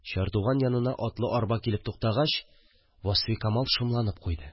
Чардуган янына атлы арба килеп туктагач, Васфикамал шомланып куйды